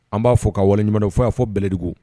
An b'a fɔ k ka waleɲuman u fo y'a fɔ bɛɛlɛdugu